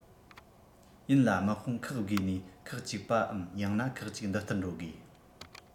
ཡིན ལ དམག དཔུང ཁག བགོས ནས ཁག ཅིག པའམ ཡང ན ཁག གཅིག འདི ལྟར འགྲོ དགོས